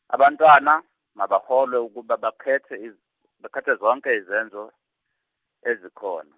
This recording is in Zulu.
abantwana, mabaholwe ukuba bakhethe zonke izenzo, ezikhona.